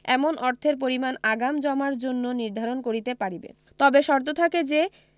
এমন অর্থের পরিমাণ আগাম জমার জন্য নির্ধারণ করিতে পারিবে তবে শর্ত থাকে যে